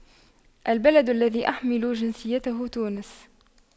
البلد الذي أحمل جنسيته تونس